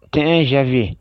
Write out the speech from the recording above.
Tiɲɛ yafa